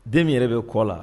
Den yɛrɛ bɛ kɔ la